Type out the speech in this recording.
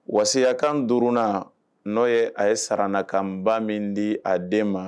Waya kan durunna n'o ye a ye sarana kan ba min di a den ma